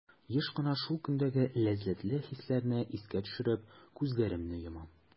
Еш кына шул көндәге ләззәтле хисләрне искә төшереп, күзләремне йомам.